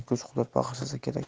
kuch qudrat bag'ishlasa kerak